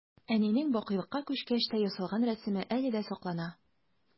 Әнинең бакыйлыкка күчкәч тә ясалган рәсеме әле дә саклана.